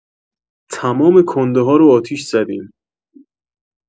تمام کنده‌ها رو آتیش زدیم